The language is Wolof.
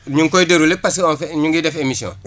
ñu ngi koy déroulé parce que on fait ñu ngi def émission